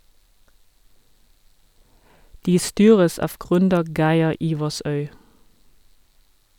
De styres av gründer Geir Ivarsøy.